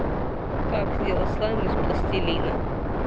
как сделать слайм из пластилина